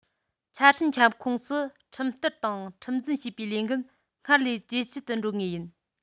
ཆ འཕྲིན ཁྱབ ཁོངས སུ ཁྲིམས བསྟར དང ཁྲིམས འཛིན བྱེད པའི ལས འགན སྔར ལས ཇེ ལྗིད དུ འགྲོ ངེས ཡིན